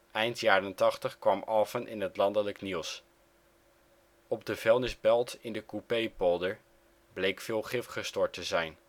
Eind jaren tachtig kwam Alphen in het landelijke nieuws. Op de vuilnisbelt in de Coupépolder bleek veel gif gestort te zijn